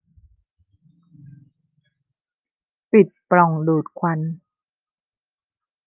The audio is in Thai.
ปิดปล่องดูดควัน